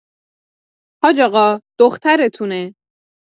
حاج‌آقا، دخترتونه.